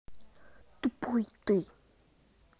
тупой ты